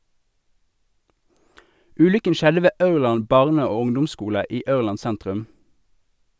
Ulykken skjedde ved Aurland barne- og ungdomsskole i Aurland sentrum.